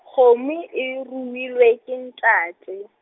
kgomo, e ruilwe, ke ntate.